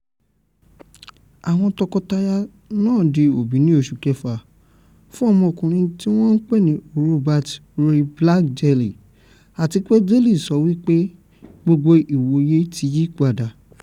Àwọn tọkọtaya nàa di òbí ní oṣù kẹfà, fún ọmọkùnrin tí wọ́n pè ní Robert Ray Black-Daley, àtipé Daley sọ wípé “Gbogbo ìwòye” ti yípadà.